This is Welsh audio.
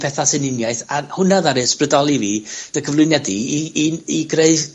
petha sy'n uniaeth, a hwnna ddaru ysbrydoli fi, dy cyflwyniad di i i'n i greu...